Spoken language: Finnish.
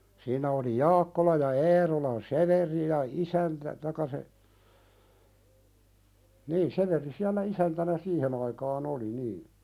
siinä oli Jaakkola ja Eerolan Severi ja isäntä tai se niin Severi siellä isäntänä siihen aikaan oli niin